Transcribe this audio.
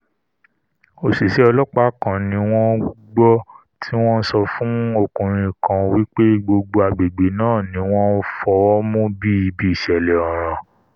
Òṣìṣẹ́ ọlọ́ọ̀pá kan ni wọn gbọ́ tí ó ńsọ fún ọkùnrin kan wí pé gbogbo agbègbè náà ni wọn ńfọwọ́ mú bíi ibi ìṣẹ̀lẹ̀ ọ̀ràn.